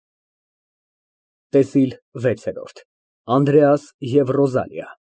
ՏԵՍԻԼ ՎԵՑԵՐՈՐԴ ԱՆԴՐԵԱՍ ԵՎ ՌՈԶԱԼԻԱ։